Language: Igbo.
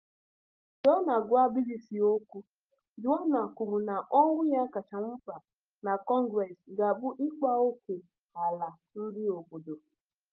Mgbe ọ na-agwa BBC okwu, Joenia kwuru na ọrụ ya kacha mkpa na Congress ga-abụ ịkpa ókè ala ndị obodo.